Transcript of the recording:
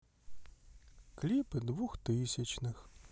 клипы двухтысячных